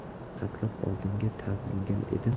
bir hatlab oldinga talpingan edim